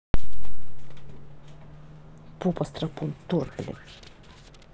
попа страпон торт блядь